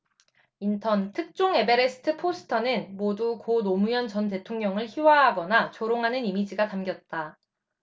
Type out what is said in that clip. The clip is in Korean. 인턴 특종 에베레스트 포스터는 모두 고 노무현 전 대통령을 희화화하거나 조롱하는 이미지가 담겼다